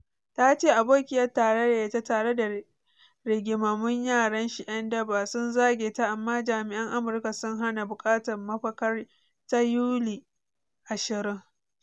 Ta ce abokiyar tarayyar ta “tare da rigimammun yaran shi yan daba,” sun zage ta amma jami’an Amurka sun hana bukatar mafakar ta Yuli 20.